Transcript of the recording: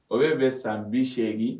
O be bɛ san 80